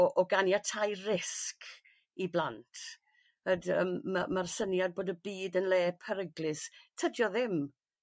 o o o ganiatáu risg i blant yd- yym ma' ma'r syniad bod y byd yn le peryglus. Tydio ddim.